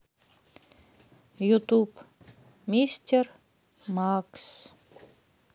ютуб мистер макс